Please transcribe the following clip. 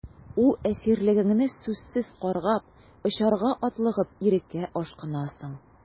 Үз әсирлегеңне сүзсез каргап, очарга атлыгып, иреккә ашкынасың...